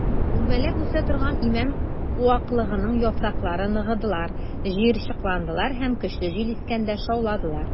Үрмәләп үсә торган имән куаклыгының яфраклары ныгыдылар, җыерчыкландылар һәм көчле җил искәндә шауладылар.